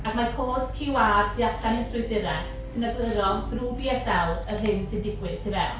Ac mae codes QR tu allan i'r strwythurau sy'n egluro drwy BSL yr hyn sy'n digwydd tu fewn.